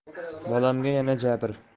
bolamga yana jabr